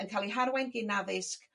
yn ca'l 'u harwain gin addysg